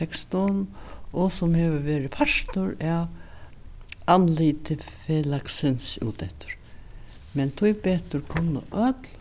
tekstum og sum hevur verið partur av andliti felagsins úteftir men tíbetur kunnu øll